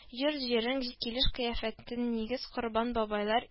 Йорт-җирен килеш-кыяфәтен нигез корбан бабайлар